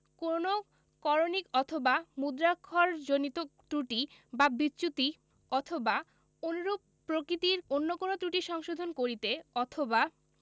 কোন করণিক অথবা মুদ্রাক্ষরজনিত ত্রুটি বা বিচ্যুতি অথবা আনুরূপ প্রকৃতির অন্য কোন ত্রুটি সংশোধন করিতে অথবা